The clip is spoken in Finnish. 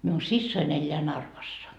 minun siskoni elää Narvassa